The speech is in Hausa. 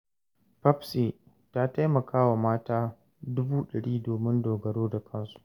FAFCI ta taimaka wa mata 100,000 domin dogaro da kansu.